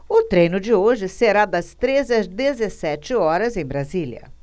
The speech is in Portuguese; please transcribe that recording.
o treino de hoje será das treze às dezessete horas em brasília